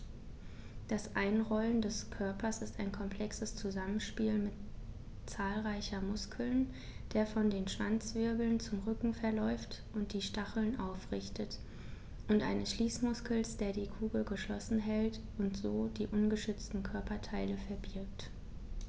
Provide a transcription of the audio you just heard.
Das Einrollen des Körpers ist ein komplexes Zusammenspiel zahlreicher Muskeln, der von den Schwanzwirbeln zum Rücken verläuft und die Stacheln aufrichtet, und eines Schließmuskels, der die Kugel geschlossen hält und so die ungeschützten Körperteile verbirgt.